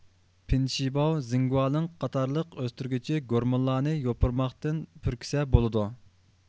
پېنشىباۋ زېڭگۇالىڭ قاتارلىق ئۆستۈرگۈچى گورمونلارنى يوپۇرماقتىن پۈركۈسە بولىدۇ